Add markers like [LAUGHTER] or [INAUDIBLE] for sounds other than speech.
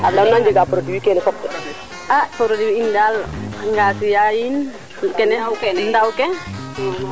mais aprés nu mburanga kene ke nam a ley tel sonle fe kene took fe [CROSSTALK]